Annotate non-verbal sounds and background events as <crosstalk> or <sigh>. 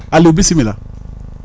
aliou bisimilah <noise>